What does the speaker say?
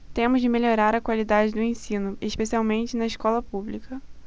temos de melhorar a qualidade do ensino especialmente na escola pública